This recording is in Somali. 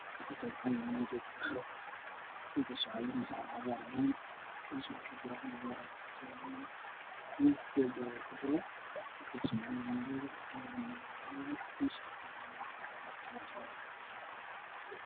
Waa geed cagaar ah kujiro dhagax cadaan ah